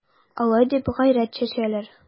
Алай дип гайрәт чәчәләр...